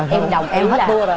em hết tua rồi